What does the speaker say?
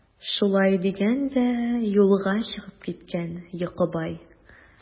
Шулай дигән дә юлга чыгып киткән Йокыбай.